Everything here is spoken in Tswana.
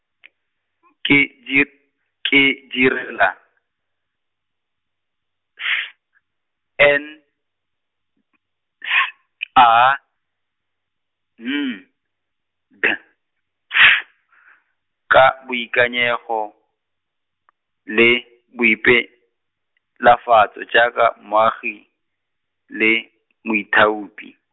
ke di-, ke direla, S, N, S , A, N, D, F , ka boikanyego, le boipelafatso jaaka moagi, le moithaopi.